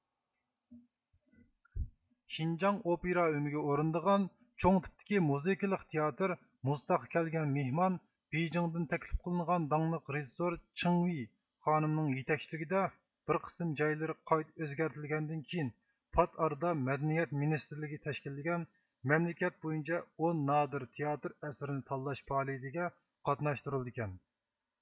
شىنجاڭ ئوپېرا ئۆمىكى ئورۇندىغان چوڭ تىپتىكى مۇزىكىلىق تىياتىر مۇز تاغقا كەلگەن مېھمان بېيجىڭدىن تەكلىپ قىلىنغان داڭلىق رىژېسسور چېڭۋېي خانىمنىڭ يېتەكچىلىكىدە بىر قىسىم جايلىرى قايتا ئۆزگەرتىلگەندىن كېيىن پات ئارىدا مەدەنىيەت مىنىستىرلىكى تەشكىللىگەن مەملىكەت بويىچە ئون نادىر تىياتىر ئەسىرىنى تاللاش پائالىيىتىگە قاتناشتۇرۇلىدىكەن